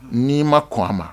N'i ma kɔn a ma